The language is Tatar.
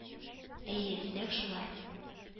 Әйе, нәкъ шулар